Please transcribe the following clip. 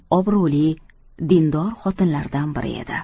obro'li dindor xotinlaridan biri edi